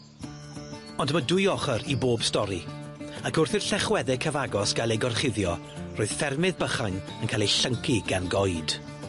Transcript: Ond yy ma' dwy ochor i bob stori ac wrth i'r llechwedde cyfagos gael eu gorchuddio roedd ffermydd bychain yn cael eu llyncu gan goed.